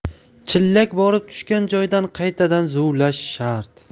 chillak borib tushgan joydan qaytadan zuvlash shart